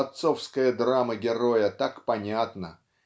отцовская драма героя так понятна